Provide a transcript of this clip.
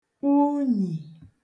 unyì